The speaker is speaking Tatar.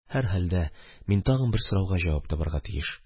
Һәрхәлдә, мин тагын бер сорауга җавап табарга тиеш.